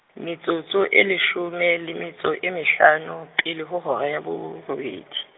metsotso e leshome le metso e mehlano, pele ho hora ya bo robedi.